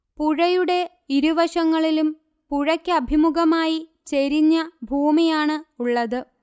പുഴയുടെ ഇരുവശങ്ങളിലും പുഴയ്ക്കഭിമുഖമായി ചെരിഞ്ഞ ഭൂമിയാണ് ഉള്ളത്